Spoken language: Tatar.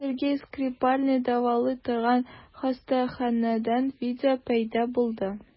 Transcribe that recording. Сергей Скрипальне дәвалый торган хастаханәдән видео пәйда булды.